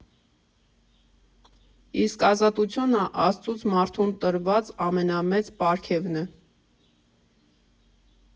Իսկ ազատությունը Աստծուց մարդուն տրված ամենամեծ պարգևն է։